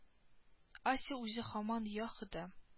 Ася үзе һаман йа хода